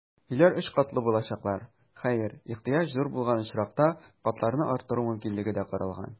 Өйләр өч катлы булачаклар, хәер, ихтыяҗ зур булган очракта, катларны арттыру мөмкинлеге дә каралган.